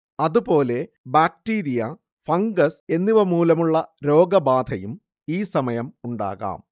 അതുപോലെ bacteria, fungus എന്നിവ മൂലമുള്ള രോഗബാധയും ഈസമയം ഉണ്ടാകാം